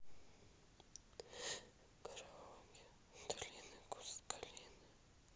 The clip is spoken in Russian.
караоке у долины куст калины